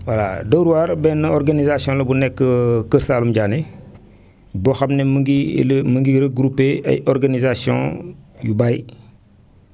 voilà Dóor waar benn organisation la bu nekk Kër Saalum Diané boo xam ne mu ngi éli mu ngi regroupé ay organisations yu bëri